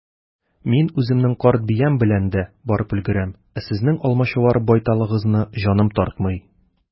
Мин үземнең карт биям белән дә барып өлгерәм, ә сезнең алмачуар байталыгызны җаным тартмый.